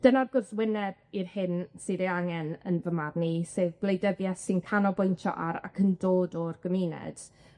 Dyna'r gwrthwyneb i'r hyn sydd ei angen yn fy marn i, sef gwleidyddieth sy'n canolbwyntio ar ac yn dod o'r gymuned.